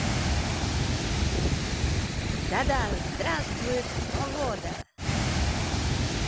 да да здравствует свобода